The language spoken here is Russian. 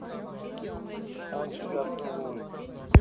он тебя целует